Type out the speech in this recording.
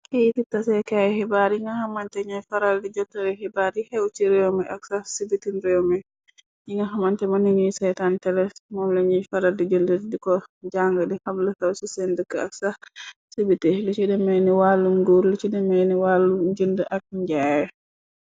Ke yi titaseekaayu xibaar yi nga xamante, ñoy faral di jotari xibaar yi xew ci réewmi, ak sax sibitin réewmi, yi nga xamante mëna ñuy saytan tele, moomla ñuy faral di jënd diko jàng di xabl few su seen dëkk ak sax sibit, lu ci demeeni wàllu nguur, lu ci demeeni wàllu jënd ak njaay.